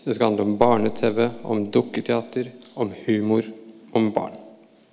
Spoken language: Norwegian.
det skal handle om barne-tv, om dukketeater, om humor, om barn.